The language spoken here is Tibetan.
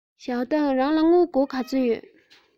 ཞའོ ཏིང རང ལ དངུལ སྒོར ག ཚོད ཡོད